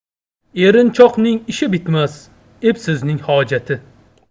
erinchoqning ishi bitmas epsizning hojati